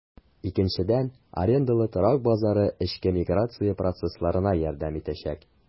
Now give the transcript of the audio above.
Икенчедән, арендалы торак базары эчке миграция процессларына ярдәм итәчәк.